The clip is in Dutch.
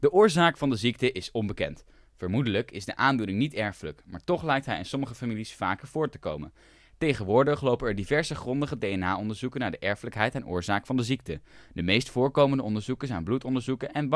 oorzaak van de ziekte is onbekend. Vermoedelijk is de aandoening niet erfelijk, maar toch lijkt hij in sommige families vaker voor te komen. Tegenwoordig lopen er diverse grondige DNA-onderzoeken naar de erfelijkheid en oorzaak van de ziekte. De meest voorkomende onderzoeken zijn bloedonderzoeken en